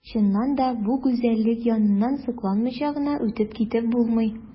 Чыннан да бу гүзәллек яныннан сокланмыйча гына үтеп китеп булмый.